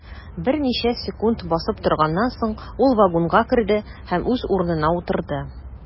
Берничә секунд басып торганнан соң, ул вагонга керде һәм үз урынына утырды.